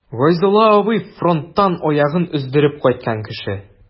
Гайзулла абый— фронттан аягын өздереп кайткан кеше.